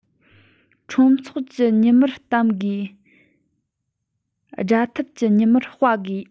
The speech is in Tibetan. ཁྲོམ ཚོགས ཀྱི ཉི མར གཏམ དགོས དགྲར འཐབ པའི ཉི མར དཔའ དགོས